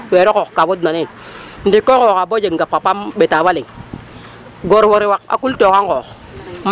weero xoox ka fodna neen ndiiki koy xooxaa bo jeg ngap xa paam ɓeta fo leŋ goor fo rew a qultooxa nqoox.